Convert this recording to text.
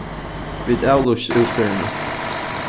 vit avlýstu útferðina